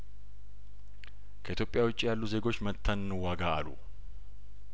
ከኢትዮጵያ ውጭ ያሉ ዜጐች መጥተን እንዋጋ አሉ